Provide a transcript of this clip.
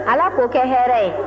ala k'o kɛ hɛrɛ ye